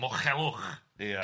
...Mochelwch... Ia